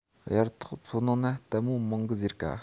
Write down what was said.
དབྱར གཐོག མཚོ ནང ན ལྟད མོ མང གི ཟེ ག